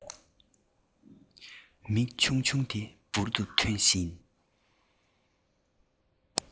མིག ཆུང ཆུང དེ འབུར དུ ཐོན བཞིན